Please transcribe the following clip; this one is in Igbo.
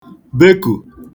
beku